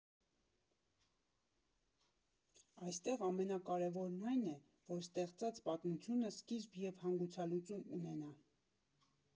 Այստեղ ամենակարևորն այն է, որ ստեղծած պատմությունը սկիզբ և հանգուցալուծում ունենա։